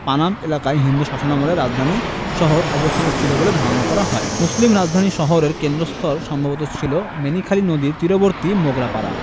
পানাম এলাকায় হিন্দু শাসনামলের রাজধানী শহর অবস্থিত ছিল বলে ধারণা করা হয় মুসলিম রাজধানী শহরের কেন্দ্রস্থল সম্ভবত ছিল মেনিখালী নদীর তীরবর্তী মোগরাপাড়া